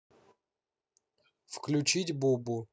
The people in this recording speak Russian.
включить бубу